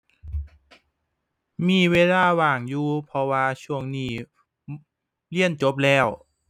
มีเวลาว่างอยู่ เพราะว่าช่วงนี้ เรียนจบแล้ว